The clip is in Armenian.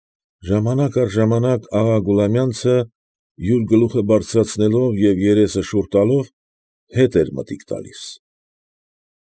Ժամանակ առ ժամանակ աղա Գուլամյանցը յուր գլուխը բարձրացնելով և երեսը շուռ տալով, հետ էր մտիկ տալիս։